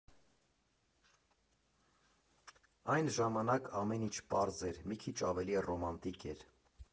Այն ժամանակ ամեն ինչ պարզ էր, մի քիչ ավելի ռոմանտիկ էր։